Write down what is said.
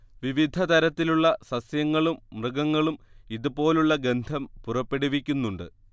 വിവിധതരത്തിലുള്ള സസ്യങ്ങളും മൃഗങ്ങളും ഇതു പോലുള്ള ഗന്ധം പുറപ്പെടുവിക്കുന്നുണ്ട്